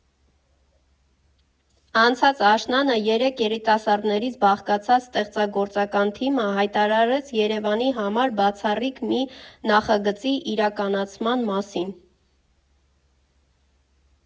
Անցած աշնանը երեք երիտասարդներից բաղկացած ստեղծագործական թիմը հայտարարեց Երևանի համար բացառիկ մի նախագծի իրականացման մասին։